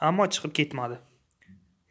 ammo chiqib ketmadi